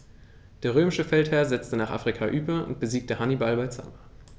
Der römische Feldherr setzte nach Afrika über und besiegte Hannibal bei Zama.